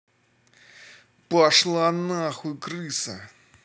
пошла нахуй крыса